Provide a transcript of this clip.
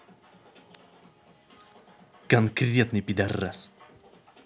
конкретный пидарас